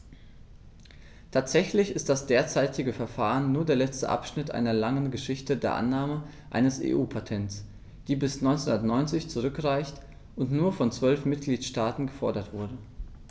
Tatsächlich ist das derzeitige Verfahren nur der letzte Abschnitt einer langen Geschichte der Annahme eines EU-Patents, die bis 1990 zurückreicht und nur von zwölf Mitgliedstaaten gefordert wurde.